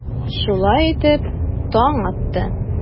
Шулай итеп, таң атты.